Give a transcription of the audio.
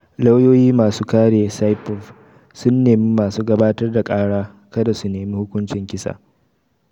Lauyoyi masu kare Saipov sun nemi masu gabatar da kara kada su nemi hukuncin kisa.